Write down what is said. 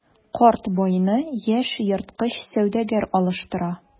Карт байны яшь ерткыч сәүдәгәр алыштыра.